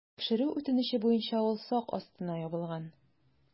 Тикшерү үтенече буенча ул сак астына ябылган.